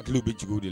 A kilo bɛ cogo de